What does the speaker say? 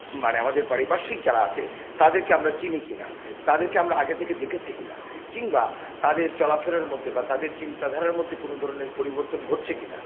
মানে আমাদের পারিপার্শ্বিক যারা আছে তাদেরকে আমরা চিনি কিনা তাদেরকে আমরা আগে থেকে দেখেছি কিনা কিংবা তাদের চলাফেরার মধ্যে চিন্তাধারার মধ্যে কোন ধরনের পরিবর্তন ঘটছে কিনা